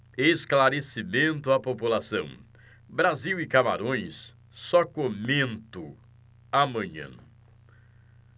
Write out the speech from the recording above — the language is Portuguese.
esclarecimento à população brasil e camarões só comento amanhã